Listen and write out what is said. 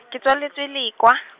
ke tswaletswe Lekwa.